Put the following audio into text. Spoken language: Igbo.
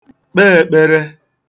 kpe ēkpērē